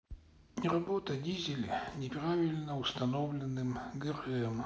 работа дизеля неправильно установленным грм